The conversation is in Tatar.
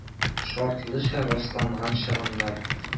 «шартлыча расланган чыгымнар»